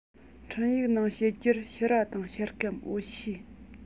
འཕྲིན ཡིག ནང བཤད རྒྱུར ཕྱུར ར དང ཤ སྐམ འོ ཕྱེ